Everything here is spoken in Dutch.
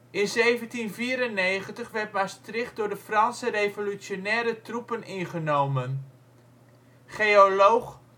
In 1794 werd Maastricht door de Franse revolutionaire troepen ingenomen. Geoloog